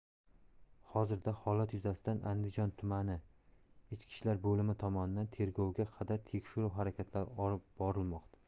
hozirda holat yuzasidan andijon tumani iib tomonidan tergovga qadar tekshiruv harakatlari olib borilmoqda